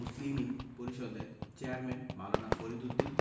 মুসলিমিন পরিষদের চেয়ারম্যান মাওলানা ফরিদ উদ্দীন